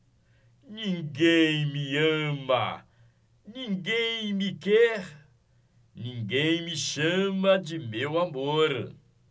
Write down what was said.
ninguém me ama ninguém me quer ninguém me chama de meu amor